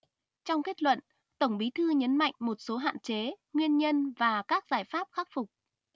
trong kết luận tổng bí thư nhấn mạnh một số hạn chế nguyên nhân và các giải pháp khắc phục